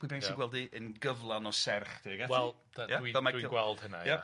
pwy bynnag sy'n gweld hi yn gyflawn o serch de . dwi'n dwi'n gweld hynna ia.